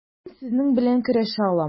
Мин сезнең белән көрәшә алам.